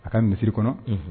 A ka misiri kɔnɔ